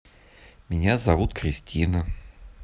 меня зовут кристина